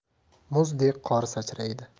muzdek qor sachraydi